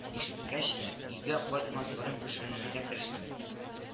Ишеткәч тә, өйгә кайтмас борын пешеренергә керештем